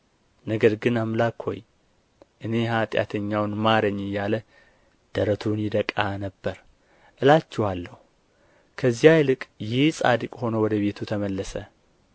ነገር ግን አምላክ ሆይ እኔን ኃጢአተኛውን ማረኝ እያለ ደረቱን ይደቃ ነበር እላችኋለሁ ከዚያ ይልቅ ይህ ጻድቅ ሆኖ ወደ ቤቱ ተመለሰ ራሱን ከፍ የሚያደርግ ሁሉ ይዋረዳልና